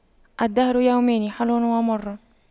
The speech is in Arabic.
الدهر يومان حلو ومر